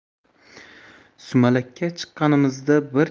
sumalakka chiqqanimizda bir